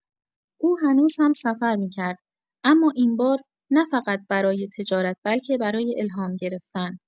او هنوز هم‌سفر می‌کرد، اما این بار، نه‌فقط برای تجارت بلکه برای الهام گرفتن.